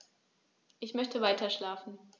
Ich möchte weiterschlafen.